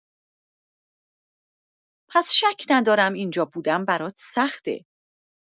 پس شک ندارم اینجا بودن برات سخته.